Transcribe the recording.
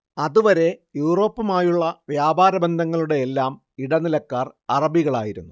അതുവരെ യൂറോപ്പുമായുളള വ്യാപാര ബന്ധങ്ങളുടെയെല്ലാം ഇടനിലക്കാർ അറബികളായിരുന്നു